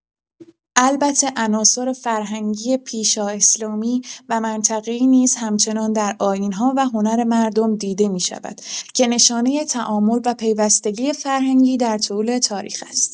البته عناصر فرهنگی پیشااسلامی و منطقه‌ای نیز همچنان در آیین‌ها و هنر مردم دیده می‌شود که نشانه تعامل و پیوستگی فرهنگی در طول تاریخ است.